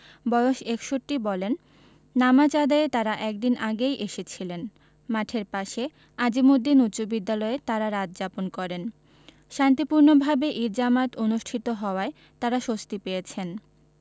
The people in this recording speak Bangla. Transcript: বয়স ৬১ বলেন নামাজ আদায়ে তাঁরা এক দিন আগেই এসেছিলেন মাঠের পাশে আজিমুদ্দিন উচ্চবিদ্যালয়ে তাঁরা রাত যাপন করেন শান্তিপূর্ণভাবে ঈদ জামাত অনুষ্ঠিত হওয়ায় তাঁরা স্বস্তি পেয়েছেন